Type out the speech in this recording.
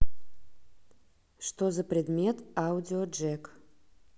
что за предмет audiojack